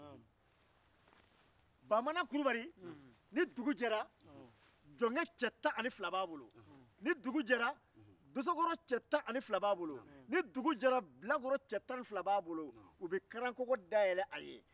dosokɔrɔ tan ni fila bɛ bilakoro cɛ tan ni fila jɔnke cɛ tan ni fila bɛ baamana kulubali bolo ni dugu jɛra u bɛ karangakogo dayɛlɛn a ye